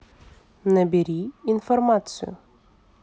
набери информацию